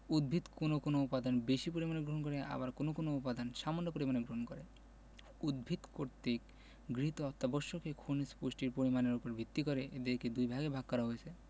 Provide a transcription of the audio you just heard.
উদ্ভিদ কোনো কোনো উপাদান বেশি পরিমাণে গ্রহণ করে আবার কোনো কোনো উপাদান সামান্য পরিমাণে গ্রহণ করে উদ্ভিদ কর্তৃক গৃহীত অত্যাবশ্যকীয় খনিজ পুষ্টির পরিমাণের উপর ভিত্তি করে এদেরকে দুইভাগে ভাগ করা হয়েছে